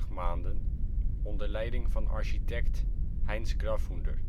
maanden onder leiding van architect Heinz Graffunder